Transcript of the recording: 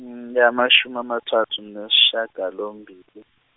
engamashumi amathathu nesishagalombili.